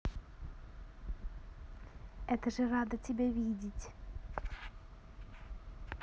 это же рада тебя видеть